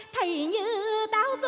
tiểu ơi